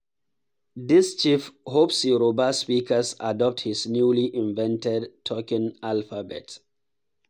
This chief hopes Yorùbá speakers adopt his newly invented 'talking alphabet'